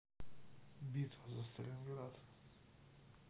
битва за сталинград